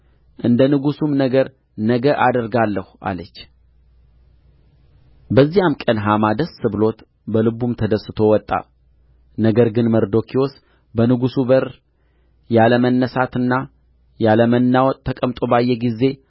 እንደ ንጉሡም ነገር ነገ አደርጋለሁ አለች በዚያም ቀን ሐማ ደስ ብሎት በልቡም ተደስቶ ወጣ ነገር ግን መርዶክዮስ በንጉሡ በር ያለ መነሣትና ያለ መናወጥ ተቀምጦ ባየ ጊዜ